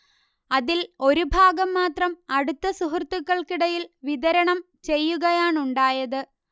അതിൽ ഒരുഭാഗം മാത്രം അടുത്ത സുഹൃത്തുക്കൾക്കിടയിൽ വിതരണം ചെയ്യുകയാണുണ്ടായത്